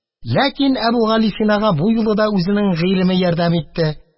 Ләкин Әбүгалисинага бу юлы да үзенең гыйлеме ярдәм итте